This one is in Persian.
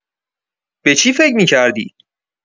به چی فکر می‌کردی؟